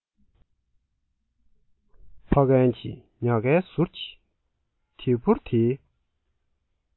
ཕ རྒན གྱིས ཉག ཁའི ཟུར གྱི དེའུ འབུར དེའི